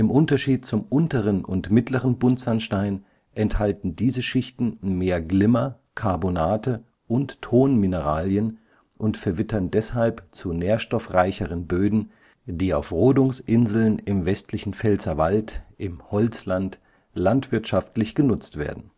Unterschied zum unteren und mittleren Buntsandstein enthalten diese Schichten mehr Glimmer, Karbonate und Tonmineralien und verwittern deshalb zu nährstoffreicheren Böden, die auf Rodungsinseln im westlichen Pfälzerwald (Holzland) landwirtschaftlich genutzt werden